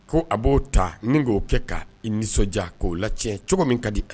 Ko a b'o ta ni k'o kɛ ka i nisɔndiya k'o lac cogo min ka di a